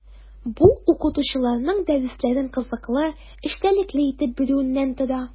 Бу – укытучыларның дәресләрен кызыклы, эчтәлекле итеп бирүеннән тора.